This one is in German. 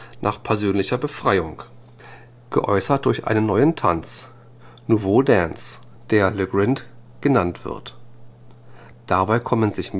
persönlicher Befreiung, geäußert durch einen „ neuen Tanz “(„ nouveau dance “), der Le Grind genannt wird. Dabei kommen sich